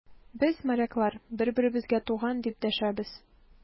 Без, моряклар, бер-беребезгә туган, дип дәшәбез.